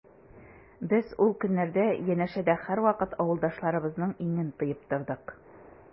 Без ул көннәрдә янәшәдә һәрвакыт авылдашларыбызның иңен тоеп тордык.